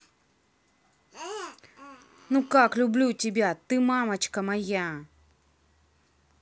ну как люблю тебя ты мамочка моя